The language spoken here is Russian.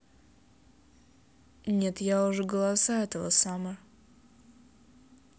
нет я уже голоса этого summer